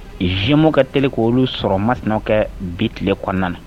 gemeaux ka teli k' o sɔrɔ masina kɛ bi tile kɔnɔna na